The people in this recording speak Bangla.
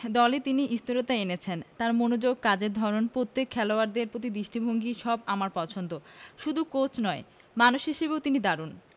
দলে তিনি স্থিরতা এনেছেন তাঁর মনোযোগ কাজের ধরন প্রত্যেক খেলোয়াড়ের প্রতি দৃষ্টিভঙ্গি সব আমার পছন্দ শুধু কোচ নয় মানুষ হিসেবেও তিনি দারুণ